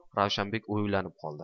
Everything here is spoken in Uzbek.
ravshanbek o'ylanib qoldi